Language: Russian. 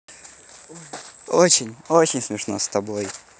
очень очень смешной с тобой